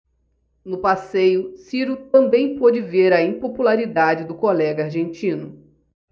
no passeio ciro também pôde ver a impopularidade do colega argentino